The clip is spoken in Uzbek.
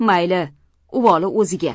mayli uvoli o'ziga